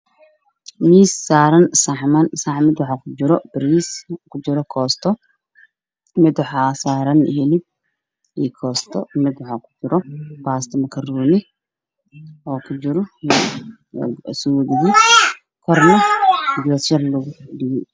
Halkaan waxaa ka muuqdo baasto oo ku jirto weel cadaan ah oo suugo leh waxayna saaran tahay miis cadays ah